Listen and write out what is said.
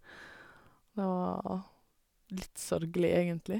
Det var litt sørgelig, egentlig.